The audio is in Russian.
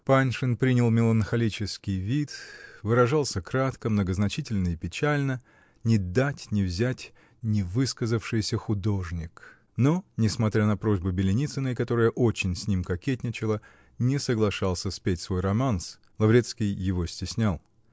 Паншин принял меланхолический вид, выражался кратко, многозначительно и печально, -- ни дать ни взять невыказавшийся художник, -- но, несмотря на просьбы Беленицыной, которая очень с ним кокетничала, не соглашался спеть свой романс: Лаврецкий его стеснял.